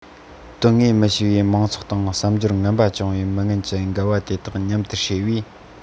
དོན དངོས མི ཤེས པའི མང ཚོགས དང བསམ སྦྱོར ངན པ བཅངས པའི མི ངན གྱིས འགལ བ དེ དག མཉམ དུ བསྲེས པས